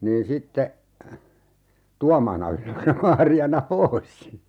niin sitten Tuomaana ylös ja Maariana pois